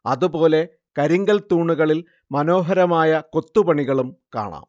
അതുപോലെ കരിങ്കൽ തൂണുകളിൽ മനോഹരമായ കൊത്തുപണികളും കാണാം